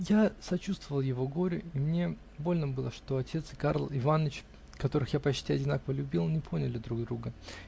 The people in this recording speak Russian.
Я сочувствовал его горю, и мне больно было, что отец и Карл Иваныч, которых я почти одинаково любил, не поняли друг друга